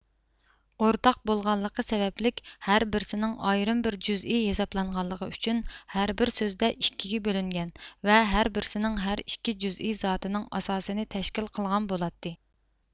ئورتاق بولغانلىقى سەۋەبلىك ھەر بىرسىنىڭ ئايرىم بىر جۈزئىي ھېسابلانغانلىقى ئۈچۈن ھەر بىر سۆزدە ئىككىگە بۆلۈنگەن ۋە ھەر بىرسىنىڭ ھەر ئىككى جۇزئى زاتىنىڭ ئاساسىنى تەشكىل قىلغان بولاتتى